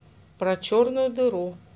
про черную дыру